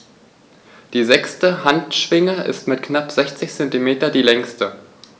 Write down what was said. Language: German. Die sechste Handschwinge ist mit knapp 60 cm die längste.